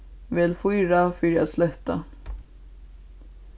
vel fýra fyri at sletta